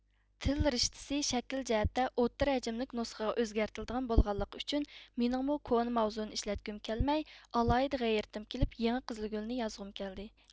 تىل رىشتىسى شەكىل جەھەتتە ئوتتۇرا ھەجىملىك نۇسخىغا ئۆزگەرتىلىدىغان بولغانلىقى ئۈچۈن مېنىڭمۇ كونا ماۋزۇنى ئىشلەتكۈم كەلمەي ئالاھىدە غەيرىتىم كېلىپ يېڭى قىزىلگۈلنى يازغۇم كەلدى